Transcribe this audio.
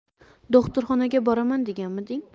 do'xtirxonaga boraman deganmiding